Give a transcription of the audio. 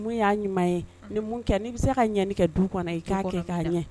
Mun y'a ɲuman ye, ni mun kɛ ni bɛ se ka ɲɛni kɛ du kɔnɔ, i ka kɛ k'a ɲɛ.